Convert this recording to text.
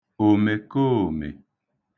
òmèkoòmè